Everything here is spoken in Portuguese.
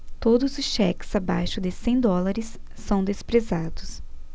todos os cheques abaixo de cem dólares são desprezados